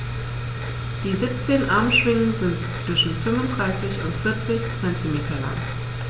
Die 17 Armschwingen sind zwischen 35 und 40 cm lang.